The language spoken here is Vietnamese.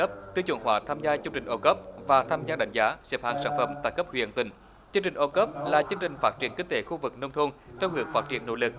cấp tiêu chuẩn hóa tham gia chương trình o cop và tham gia đánh giá xếp hạng sản phẩm tại cấp huyện tỉnh chương trình o cop là chương trình phát triển kinh tế khu vực nông thôn tâm huyết phát triển nội lực